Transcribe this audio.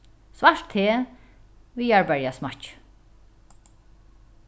svart te við jarðberjasmakki